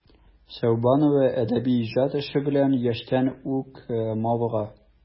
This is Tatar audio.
Сәүбанова әдәби иҗат эше белән яшьтән үк мавыга.